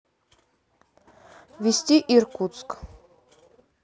вести иркутск